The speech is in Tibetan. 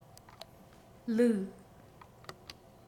བླུག